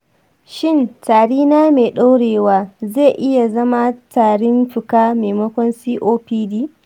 shin tari na mai ɗorewa zai iya zama tarin fuka maimakon copd?